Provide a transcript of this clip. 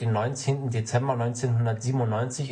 19. Dezember 1997